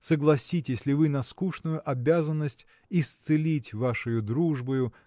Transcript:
Согласитесь ли вы на скучную обязанность исцелить вашею дружбою